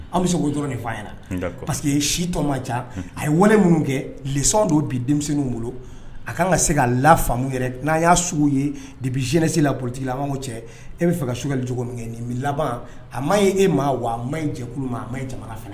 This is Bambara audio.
An bɛ se k'o dɔrɔn nin fa na pa parce que ye si tɔ ma ca a ye wɛrɛ minnu kɛ lesɔnon don bi denmisɛnw bolo a ka kanan ka se ka la faamumu yɛrɛ n'a y'a sugu ye de bɛ jsi la poli laban cɛ e bɛa fɛ ka sokɛkali cogo min kɛ nin bɛ laban a ma ye e ma wa a ma cɛkulu ma a ma ye jamana fana